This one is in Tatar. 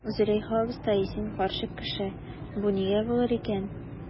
Зөләйха абыстай, син карчык кеше, бу нигә булыр икән?